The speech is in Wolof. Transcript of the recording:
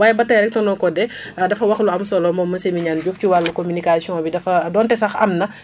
waaye ba tey rek tonton Code dafa wax lu am solo moom monsieur Mignane diouf ci wàllu communication bi dafa donte sax am na